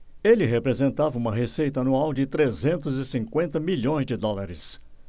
ele representava uma receita anual de trezentos e cinquenta milhões de dólares